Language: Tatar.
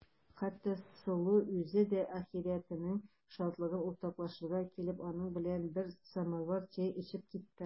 Хәтта Сылу үзе дә ахирәтенең шатлыгын уртаклашырга килеп, аның белән бер самавыр чәй эчеп китте.